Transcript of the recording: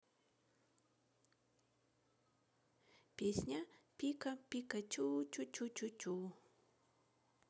песня пика пикачу чу чу чу чу